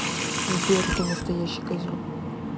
сбер ты настоящий козел